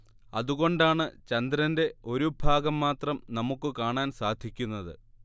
അതുകൊണ്ടാണ് ചന്ദ്രന്റെ ഒരു ഭാഗം മാത്രം നമുക്ക് കാണാൻ സാധിക്കുന്നത്